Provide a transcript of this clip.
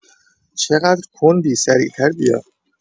چقدر کندی سریع‌تر بیا